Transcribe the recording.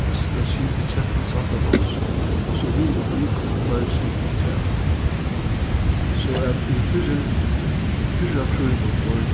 fyrsta skipið keypt til sandavágs og so við og við komu fleiri skip afturat so at í fyrri fyrra krígnum vóru